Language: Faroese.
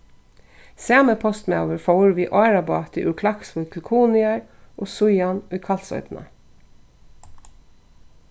sami postmaður fór við árabáti úr klaksvík til kunoyar og síðan í kalsoynna